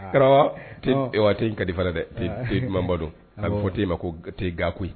Karamɔgɔ. thé thé in ka di fana dɛ, thé duman ba dɔn. A bɛ se ka fɔ thé in ma thé ko thé gakoye .